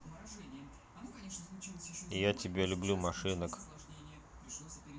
я тебя люблю машинок